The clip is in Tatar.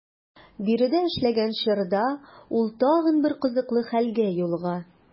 Биредә эшләгән чорда ул тагын бер кызыклы хәлгә юлыга.